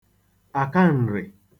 akaǹrị̀